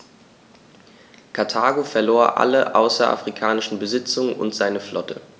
Karthago verlor alle außerafrikanischen Besitzungen und seine Flotte.